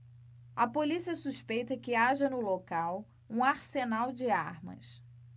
a polícia suspeita que haja no local um arsenal de armas